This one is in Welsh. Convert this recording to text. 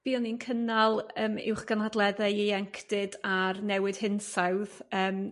Buon ni'n cynnal yrm uwchgynhadleddau ieuenctid ar newid hinsawdd yrm